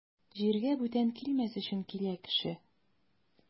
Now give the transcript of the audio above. Җиргә бүтән килмәс өчен килә кеше.